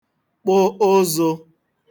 kpụ ụzụ̄